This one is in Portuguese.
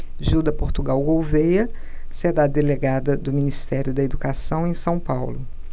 gilda portugal gouvêa será delegada do ministério da educação em são paulo